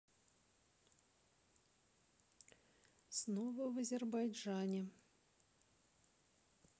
снова в азербайджане